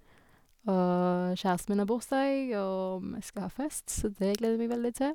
Og kjæresten min har bursdag og vi skal ha fest, så dét gleder jeg meg veldig til.